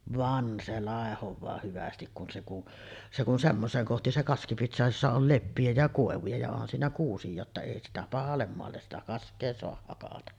vaan se laihoaa hyvästi kun se kun se kun semmoiseen kohti se kaski piti saada jossa oli leppiä ja koivuja ja onhan siinä kuusia jotta ei sitä pahalle maalle sitä kaskea saa hakata